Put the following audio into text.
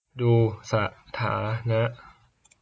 ดูสถานะ